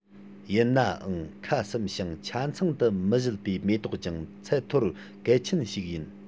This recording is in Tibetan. ཡིན ནའང ཁ ཟུམ ཞིང ཆ ཚང དུ མི བཞད པའི མེ ཏོག ཀྱང ཚད མཐོར གལ ཆེན ཞིག ཡིན